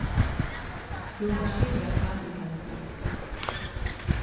tú mást skilja hvat ið hendir